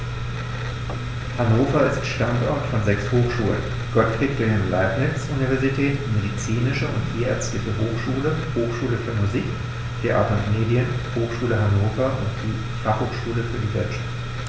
Hannover ist Standort von sechs Hochschulen: Gottfried Wilhelm Leibniz Universität, Medizinische und Tierärztliche Hochschule, Hochschule für Musik, Theater und Medien, Hochschule Hannover und die Fachhochschule für die Wirtschaft.